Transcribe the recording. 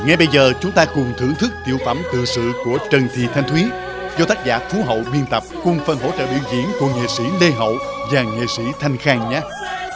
ngay bây giờ chúng ta cùng thưởng thức tiểu phẩm tiểu sử của trần thị thanh thúy do tác giả phú hậu biên tập cùng phần vũ đạo biểu diễn của nghệ sĩ lê hậu và nghệ sĩ thanh khang nhá